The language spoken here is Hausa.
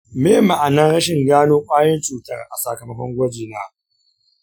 me ma'anar rashin gano kwayoyin cutar a sakamakon gwajina?